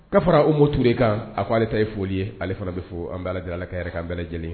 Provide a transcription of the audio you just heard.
K'a fara Omo Ture kan a ko ale ta ye foli ye, ale fana bɛ fɔ. An b'a Ala deli ,Ala ka hɛrɛ k'an bɛɛ lajɛlen